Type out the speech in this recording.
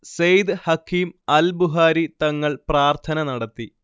സെയ്ദ് ഹഖീം അൽ ബുഹാരി തങ്ങൾ പ്രാർത്ഥന നടത്തി